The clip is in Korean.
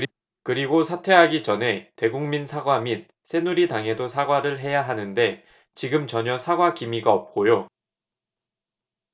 그리고 사퇴하기 전에 대국민 사과 밑 새누리당에도 사과를 해야 하는데 지금 전혀 사과 기미가 없고요